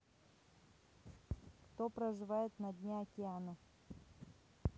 кто проживает на дне океана